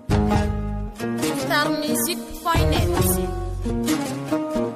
San sansi fainɛ